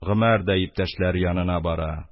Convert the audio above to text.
Гомәр дә иптәшләре янына бара.